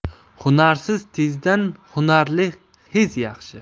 hunarsiz tezdan hunarli xez yaxshi